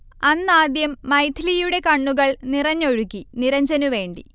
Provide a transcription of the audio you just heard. അന്നാദ്യം മൈഥിലിയുടെ കണ്ണുകൾ നിറഞ്ഞൊഴുകി നിരഞ്ജനു വേണ്ടി